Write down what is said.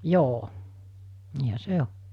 joo niinhän se on